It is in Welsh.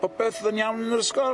Popeth yn iawn yn yr ysgol?